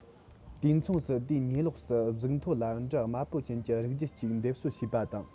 དུས མཚུངས སུ དེའི ཉེ ལོགས སུ གཟུགས མཐོ ལ འབྲུ དམར པོ ཅན གྱི རིགས རྒྱུད ཅིག འདེབས གསོ བྱས པ དང